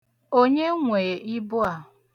Onye nwee ibu a?